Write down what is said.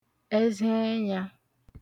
ẹziẹnyā